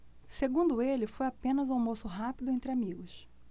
segundo ele foi apenas um almoço rápido entre amigos